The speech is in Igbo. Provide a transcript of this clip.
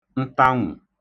ntanwụ̀